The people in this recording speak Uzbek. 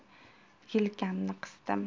yelkamni qisdim